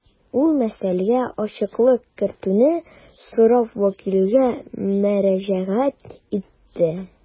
Ул мәсьәләгә ачыклык кертүне сорап вәкилгә мөрәҗәгать итте.